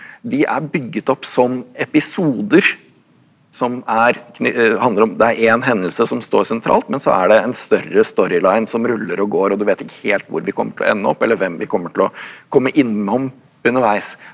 de er bygget opp som episoder som er handler om det er én hendelse som står sentralt men så er det en større storyline som ruller og går og du vet ikke helt hvor vi kommer til å ende opp eller hvem vi kommer til å komme innom underveis.